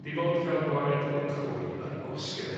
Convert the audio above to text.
dim ond ca'l gwared o'r croen a'u gwasgu n'w.